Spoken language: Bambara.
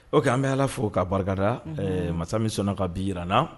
Ok An bi Ala fo ka barika da . Ɛɛ masa min sɔnna ka bi yira an na.